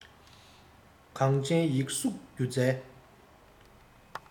གངས ཅན ཡིག གཟུགས སྒྱུ རྩལ